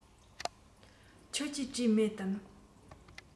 ཁྱོད ཀྱིས བྲིས མེད དམ